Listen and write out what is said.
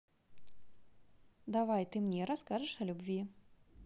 давай ты мне расскажешь о любви